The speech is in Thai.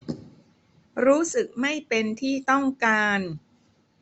รู้สึกไม่เป็นที่ต้องการ